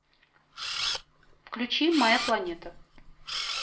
включи моя планета